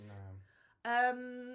Na. Yym.